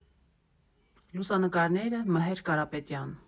Լուսանկարները՝ Մհեր Կարապետյան։